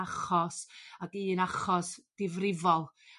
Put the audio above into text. achos ag un achos difrifol.